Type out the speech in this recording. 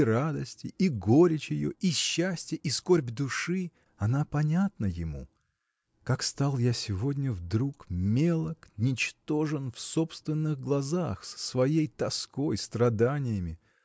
и радости, и горечь ее, и счастье, и скорбь души? она понятна ему. Как стал я сегодня вдруг мелок ничтожен в собственных глазах с своей тоской страданиями!.